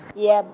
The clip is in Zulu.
yeb-.